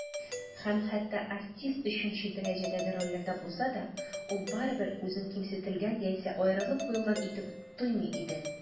Һәм хәтта артист өченче дәрәҗәдәге рольләрдә булса да, ул барыбыр үзен кимсетелгән яисә аерылып куелган итеп тоймый иде.